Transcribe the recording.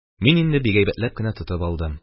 Мин инде бик әйбәтләп кенә тотып алдым.